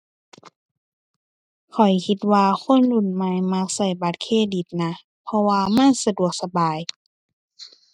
ข้อยคิดว่าคนรุ่นใหม่มักใช้บัตรเครดิตนะ เพราะว่ามันสะดวกสบาย